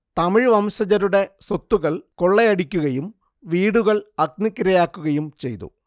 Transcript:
തമിഴ് വംശജരുടെ സ്വത്തുക്കൾ കൊള്ളയടിക്കുകയും വീടുകൾ അഗ്നിക്കിരയാക്കുകയും ചെയ്തു